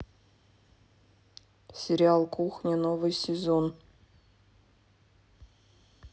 сериал кухня новый сезон